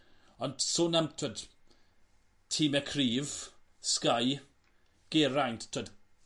Ond sôn t'wod time cryf, Sky Geraint t'od